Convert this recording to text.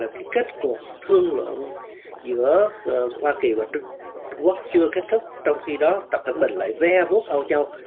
và ký kết cuộc thương lượng giữa hoa kỳ và trung quốc chưa kết thúc trong khi đó tập cận bình lại ve vuốt âu châu